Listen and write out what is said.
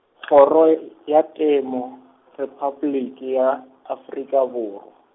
kgoro y-, ya Temo, Repabliki ya, Afrika Borwa.